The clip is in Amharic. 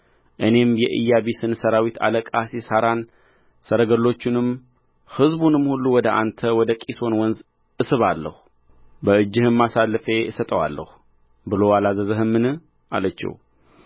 እኔም የኢያቢስን ሠራዊት አለቃ ሲሣራን ሰረገሎቹንም ሕዝቡንም ሁሉ ወደ አንተ ወደ ቂሶን ወንዝ እስባለሁ በእጅህም አሳልፌ እሰጠዋለሁ ብሎ አላዘዘህምን አለችው